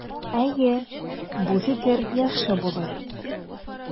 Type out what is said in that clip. Әйе, бу фикер яхшы булыр.